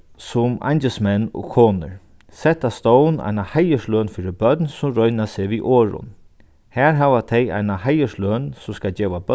sum eingilskmenn og -konur sett á stovn eina heiðursløn fyri børn sum royna seg við orðum har hava tey eina heiðursløn sum skal geva